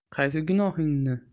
qaysi gunohingni